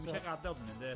Ni'm isie gad'el fyn 'yn de?